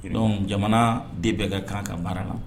Donc jamana de bɛ ka kan a ka baara la.